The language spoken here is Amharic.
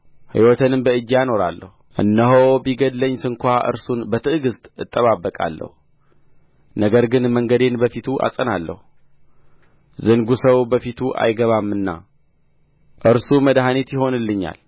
ሕይወቴንም በእጄ አኖራለሁ እነሆ ቢገድለኝ ስንኳ እርሱን በትዕግሥት እጠባበቃለሁ ነገር ግን መንገዴን በፊቱ አጸናለሁ ዝንጉ ሰው በፊቱ አይገባምና እርሱ መድኃኒት ይሆንልኛል